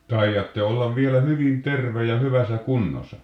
taidatte olla vielä hyvin terve ja hyvässä kunnossa